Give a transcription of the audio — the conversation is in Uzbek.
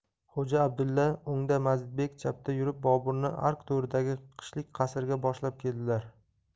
xo'ja abdulla o'ngda mazidbek chapda yurib boburni ark to'ridagi qishlik qasrga boshlab keldilar